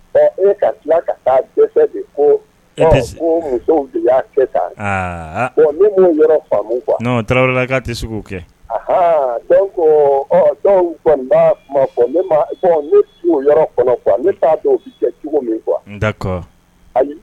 De'a ne faama kuwa tɛ kɛ ko dɔw ne ne'a dɔn bɛ kɛ cogo min kuwa